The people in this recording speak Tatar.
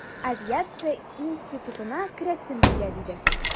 Авиация институтына керәсем килә, диде...